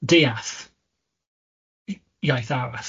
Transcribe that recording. deall i- iaith arall